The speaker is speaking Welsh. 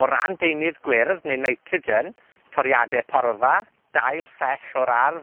O ran deunydd gwyrdd neu nitrogen, toriade porfa, dail ffries o'r ardd,